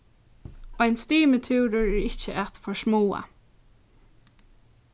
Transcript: ein stimitúrur er ikki at forsmáa